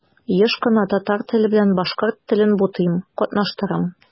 Еш кына татар теле белән башкорт телен бутыйм, катнаштырам.